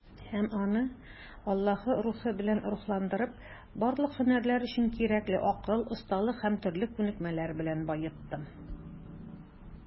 Һәм аны, Аллаһы Рухы белән рухландырып, барлык һөнәрләр өчен кирәкле акыл, осталык һәм төрле күнекмәләр белән баеттым.